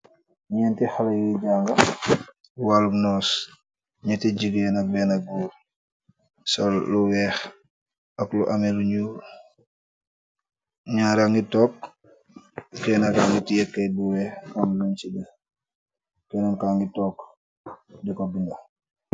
Neenti xale yuy janga wal nos, ñeti jigeenak beena goor, sol lu weex ak lu ame ñuul, ñaari ngi tokk, keneen ki niti yekkay bu weex , keneen ki ngi tokk di ko bind.